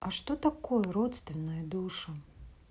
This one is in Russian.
а что такое родственные души